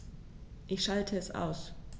Ich schalte es aus.